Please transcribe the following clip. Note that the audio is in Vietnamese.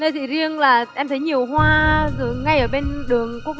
lê thị riêng là em thấy nhiều hoa ngay ở bên đường quốc